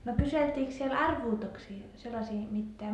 no kyseltiinkö siellä arvoituksia sellaisia mitään